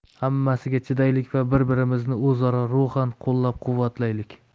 hammasiga chidaylik va bir birimizni o'zaro ruhan qo'llab quvvatlaylik